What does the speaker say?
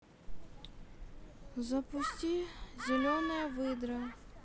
запусти зеленая выдра